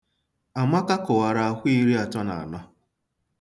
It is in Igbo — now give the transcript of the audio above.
Amaka kụwara akwa iriatọ na anọ.